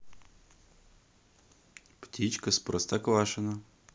птичка с простоквашино